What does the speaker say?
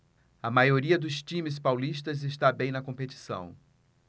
a maioria dos times paulistas está bem na competição